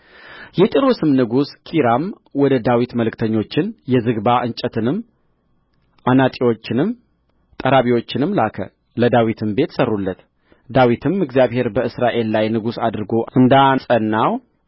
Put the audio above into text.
የጢሮስም ንጉሥ ኪራም ወደ ዳዊት መልእክተኞችን የዝግባ እንጨትንም አናጢዎችንም ጠራቢዎችንም ላከ ለዳዊትም ቤት ሠሩለት ዳዊትም እግዚአብሔር በእስራኤል ላይ ንጉሥ አድርጎ እንዳጸናው